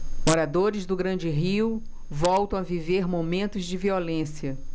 moradores do grande rio voltam a viver momentos de violência